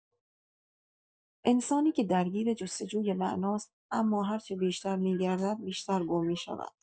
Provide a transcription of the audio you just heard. انسانی که درگیر جست‌وجوی معناست، اما هر چه بیشتر می‌گردد، بیشتر گم می‌شود.